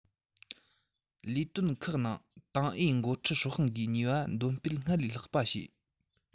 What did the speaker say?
ལས དོན ཁག ནང ཏང ཨུའི འགོ ཁྲིད སྲོག ཤིང གི ནུས པ འདོན སྤེལ སྔར ལས ལྷག པ བྱས